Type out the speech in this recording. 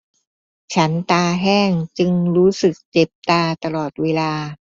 ฉันตาแห้งจึงรู้สึกเจ็บตาตลอดเวลา